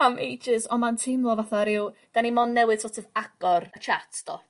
am ages on' ma'n teimlo fatha ryw 'dan ni 'mond newydd so't of agor y chat do?